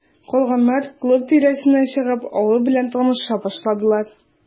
Калганнар, клуб тирәсенә чыгып, авыл белән таныша башладылар.